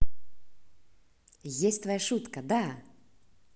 есть твоя шутка да